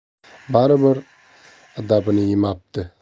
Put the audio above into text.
bari bir adabini yemabdi